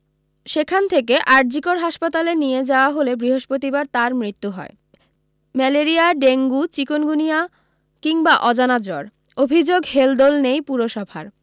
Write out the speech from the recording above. সেখান থেকে আরজিকর হাসপাতালে নিয়ে যাওয়া হলে বৃহস্পতিবার তাঁর মৃত্যু হয় ম্যালেরিয়া ডেঙ্গি চিকুনগুনিয়া কিংবা অজানা জর অভি্যোগ হেলদোল নেই পুরসভার